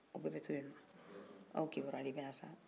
aw bɛɛ bɛ to yen aw kibaruya de bɛna sisan